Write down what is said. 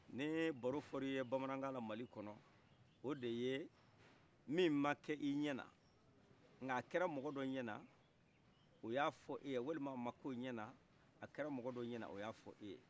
n'ye baro fɔr'ye bamanakana mali kɔnɔ o de ye min ma k'i ɲɛna nga kɛra mɔgɔdɔ ɲɛna o y'a fɔ e ye walima ak'o ɲɛna a kɛra mɔgɔdɔ ɲɛna oy'a fɔ e ye